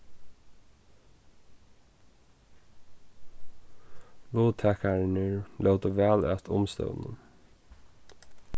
luttakararnir lótu væl at umstøðunum